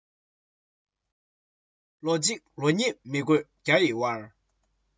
ལོ གཅིག ལོ གཉིས མི དགོས བརྒྱ ཡི བར